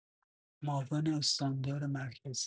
معاون استاندار مرکزی